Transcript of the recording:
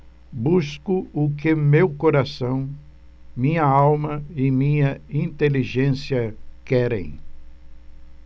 busco o que meu coração minha alma e minha inteligência querem